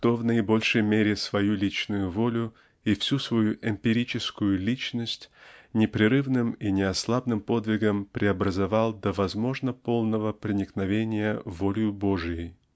кто и наибольшей мере свою личную волю и всю свою эмпирическую) личность непрерывным и неослабным подвигом преобразовал до возможно полного проникновения волею Божией.